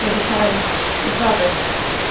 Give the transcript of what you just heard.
wedi cael eu claddu.